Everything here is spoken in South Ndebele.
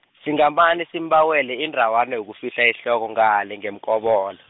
singamane simbawele indawana yokufihla ihloko ngale, ngeMkobola.